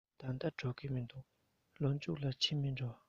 ད ལྟ འགྲོ རྩིས མི འདུག ལོ མཇུག ལ ཕྱིན མིན འགྲོ